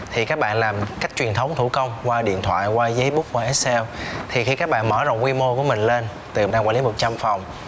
thì các bạn làm cách truyền thống thủ công qua điện thoại qua giấy bút qua ích xeo thì khi các bạn mở rộng quy mô của mình lên tiềm năng quản lý một trăm phòng